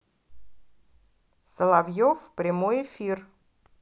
соловьев прямой эфир